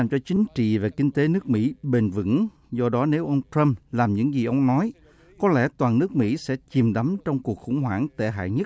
chính trị và kinh tế nước mỹ bền vững do đó nếu ông trăm làm những gì ông nói có lẽ toàn nước mỹ sẽ chìm đắm trong cuộc khủng hoảng tệ hại nhất